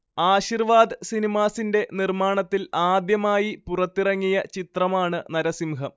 ആശിർവാദ് സിനിമാസിന്റെ നിർമ്മാണത്തിൽ ആദ്യമായി പുറത്തിറങ്ങിയ ചിത്രമാണ് നരസിംഹം